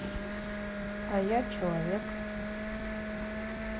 а я человек